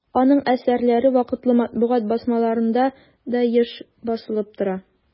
Аның әсәрләре вакытлы матбугат басмаларында да еш басылып тора.